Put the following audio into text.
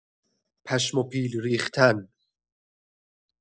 پشم و پیل ریختن